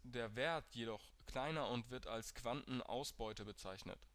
der Wert jedoch kleiner und wird als Quantenausbeute bezeichnet